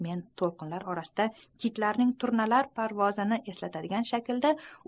men to'lqinlar orasida kitlarning turnalar parvozini eslatadigan shaklda